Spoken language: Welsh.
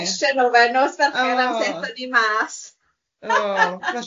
...ystion o fe nos Fercher os ethon ni mas.